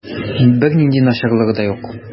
Бернинди начарлыгы да юк.